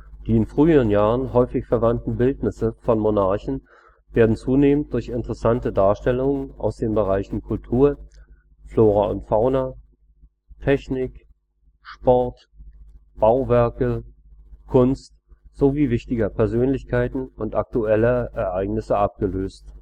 Die in frühen Jahren häufig verwandten Bildnisse von Monarchen werden zunehmend durch interessante Darstellungen aus den Bereichen Kultur, Flora und Fauna, Technik, Sport, Bauwerke, Kunst sowie wichtiger Persönlichkeiten und aktueller Ereignisse abgelöst